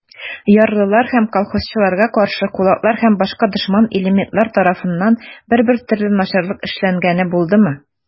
Ярлылар һәм колхозчыларга каршы кулаклар һәм башка дошман элементлар тарафыннан бер-бер төрле начарлык эшләнгәне булдымы?